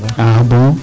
A bon.